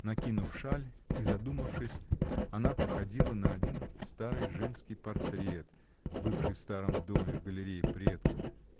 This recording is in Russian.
Накинув шаль и задумавшись, она походила на один старый женский портрет, бывший в старом доме в галерее предков.